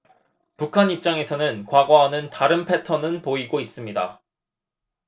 북한 입장에서는 과거와는 다른 패턴은 보이고 있습니다